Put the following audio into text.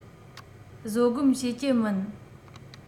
བཟོད སྒོམ བྱེད ཀྱི མིན